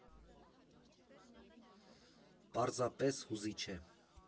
Պարզապես հուզիչ է։